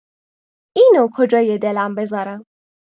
اینو کجای دلم بذارم؟